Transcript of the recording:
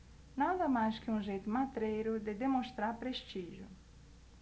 nada mais que um jeito matreiro de demonstrar prestígio